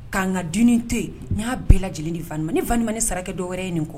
'an ka diini to yen n''a bɛɛ lajɛlen ni fa nii ni saraka dɔw wɛrɛ ye nin kɔ